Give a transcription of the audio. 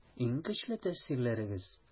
Иң көчле тәэсирләрегез?